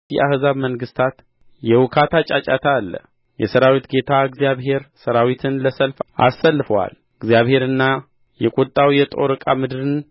የአህዛብ መንግሥታት የውካታ ጫጫታ አለ የሠራዊት ጌታ እግዚአብሔር ሠራዊትን ለሰልፍ አሰልፎአል እግዚአብሔርና የቍጣው የጦር ዕቃ ምድርን